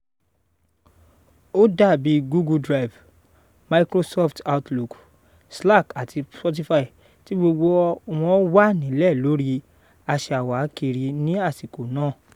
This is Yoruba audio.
Ó dábí Google Drive, Microsoft Outlook, Slack àti Spotify tí gbogbo wọ́n wà nílẹ̀ lórí aṣawákiri ní àṣìkò kannáà.